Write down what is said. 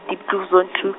Diepkloof zone two.